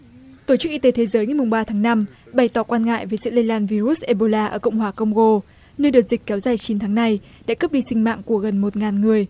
tổ chức y tế thế giới ngày mùng ba tháng năm bày tỏ quan ngại về sự lây lan vi rút ê bô la ở cộng hòa công gô nơi đợt dịch kéo dài chín tháng nay đã cướp đi sinh mạng của gần một ngàn người